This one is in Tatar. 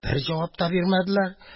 Бер җавап та бирмәделәр.